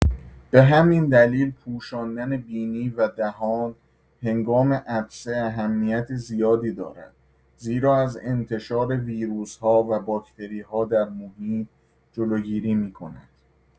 به همین دلیل پوشاندن بینی و دهان هنگام عطسه اهمیت زیادی دارد، زیرا از انتشار ویروس‌ها و باکتری‌ها در محیط جلوگیری می‌کند.